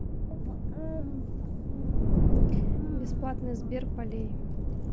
бесплатный сбер полей